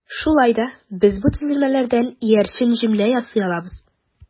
Шулай да без бу төзелмәләрдән иярчен җөмлә ясый алабыз.